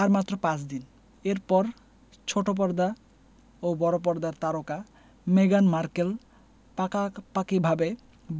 আর মাত্র পাঁচ দিন এরপর ছোট পর্দা ও বড় পর্দার তারকা মেগান মার্কেল পাকাপাকিভাবে